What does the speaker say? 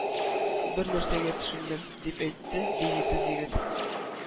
Бернәрсәгә төшендем, — дип әйтте, ди, җитез егет.